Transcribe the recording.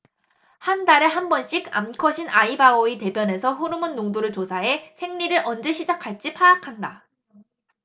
한 달에 한 번씩 암컷인 아이바오의 대변에서 호르몬 농도를 조사해 생리를 언제 시작할지 파악한다